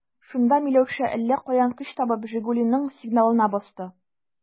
Шунда Миләүшә, әллә каян көч табып, «Жигули»ның сигналына басты.